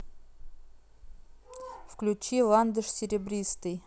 включи ландыш серебристый